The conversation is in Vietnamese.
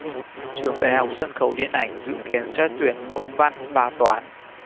trường đại học sân khấu điện ảnh dự kiến xét tuyển môn văn và toán